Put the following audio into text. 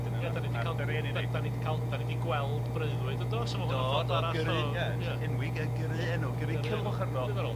Dyna nath nath dy rieni di. 'Dan ni di ca'l 'dan ni di gweld breuddwyd yndo, so ma' hwn yn ffordd arall o ... Ia enwi gy gyrru enw. Gyrru Culhwch arnaw. Ddiddorol.